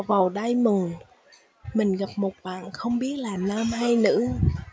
vào diamond mình gặp một bạn không biết là nam hay nữ